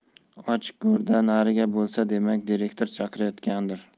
ochiq go'rdan nariga bo'lsa demak direktor chaqirayotgandir